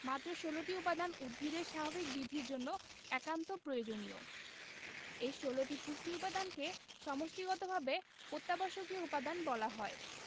মাত্র ১৬টি উপাদান উদ্ভিদের স্বাভাবিক বৃদ্ধির জন্য একান্ত প্রয়োজনীয় এ ১৬টি পুষ্টি উপাদানকে সমষ্টিগতভাবে অত্যাবশ্যকীয় উপাদান বলা হয়